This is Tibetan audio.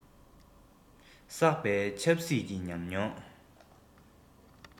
ཛ བསགས པའི ཆབ སྲིད ཀྱི ཉམས མྱོང